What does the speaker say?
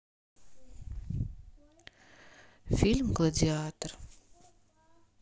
фильм гладиатор